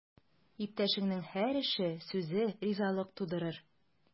Иптәшеңнең һәр эше, сүзе ризалык тудырыр.